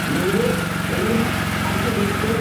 Milwyr, beirdd, anturiaethwyr.